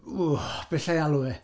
W, be alla i alw e?